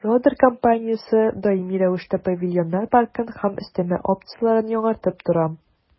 «родер» компаниясе даими рәвештә павильоннар паркын һәм өстәмә опцияләрен яңартып тора.